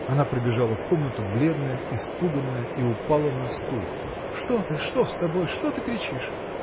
Она прибежала в комнату бледная, испуганная и упала на стул. – Что ты? что с тобой? что ты кричишь?